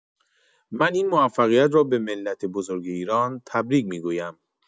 من این موفقیت را به ملت بزرگ ایران تبریک می‌گویم.